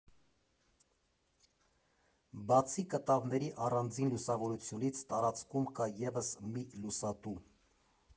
Բացի կտավների առանձին լուսավորությունից՝ տարածքում կա ևս մի լուսատու։